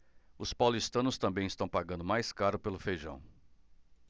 os paulistanos também estão pagando mais caro pelo feijão